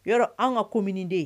O y' anw ka ko mini den